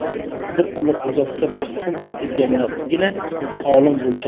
bir umr azobga mahkum etilganlargina olim bo'lishadi